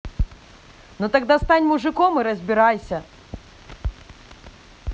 ну тогда стань мужиком и разбирайся